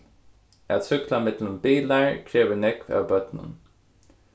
at súkkla millum bilar krevur nógv av børnum